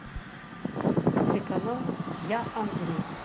телеканал я андрей